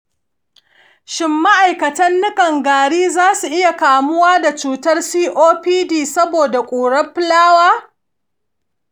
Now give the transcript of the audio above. shin ma'aikatan niƙan gari za su iya kamuwa da cutar copd saboda ƙurar fulawa?